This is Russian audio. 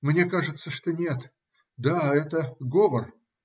Мне кажется, что нет. Да, это - говор.